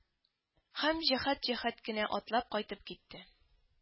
Һәм җәһәт-җәһәт кенә атлап кайтып китте